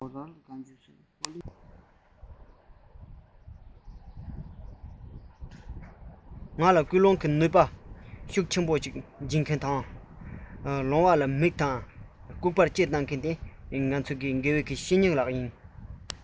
དེས ང ལ སྐུལ སློང གི ནུས པ ཤུགས ཆེན ཐོན གྱི འདུག ངས བྱ བ དེ དུས ནམ ཡང བརྗེད ག ལ སྲིད དགེ བའི བཤེས གཉེན ལགས གང ཞིག ཐོག མར འཇིག རྟེན འདིར སླེབས བ གླང མི ཁྱུར བཅུག གནང མཛད མཁན དེ དགེ བའི བཤེས གཉེན ལགས ལོང བར མིག དང ལྐུགས པར ལྕེ བསྩོལ གནང མཁན དེ ཡང ཁྱེད ཡིན